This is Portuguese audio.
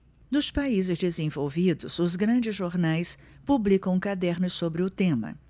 nos países desenvolvidos os grandes jornais publicam cadernos sobre o tema